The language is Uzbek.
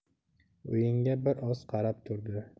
o'yinga bir oz qarab turdi